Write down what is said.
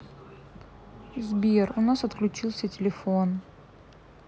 сбер у нас отключился телефон